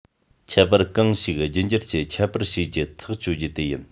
ཁྱད པར གང ཞིག རྒྱུད འགྱུར གྱི ཁྱད པར བྱེད རྒྱུ ཐག གཅོད རྒྱུ དེ ཡིན